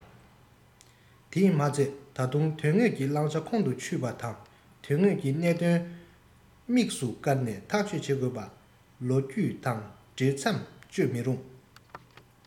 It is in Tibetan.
དེས མ ཚད ད དུང དོན དངོས ཀྱི བླང བྱ ཁོང དུ ཆུད པ དང དོན དངོས ཀྱི གནད དོན དམིགས སུ བཀར ནས ཐག གཅོད བྱེད དགོས པ ལས ལོ རྒྱུས དང འབྲེལ མཚམས གཅོད མི རུང